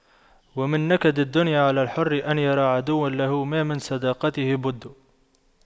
ومن نكد الدنيا على الحر أن يرى عدوا له ما من صداقته بد